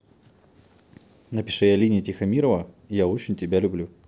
напиши алине тихомирова я очень тебя люблю